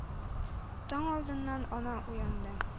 Таң алдыннан ана уянды —